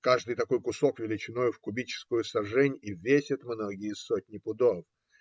Каждый такой кусок величиною в кубическую сажень и весит многие сотни пудов.